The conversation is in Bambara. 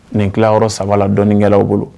Nin tilayɔrɔ saba la dɔnikɛlaw bolo